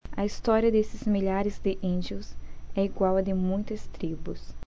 a história desses milhares de índios é igual à de muitas tribos